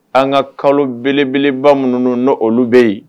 An ka kalo belebeleba minnuunu n ni olu bɛ yen